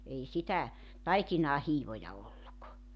ei sitä taikinaan hiivoja ollut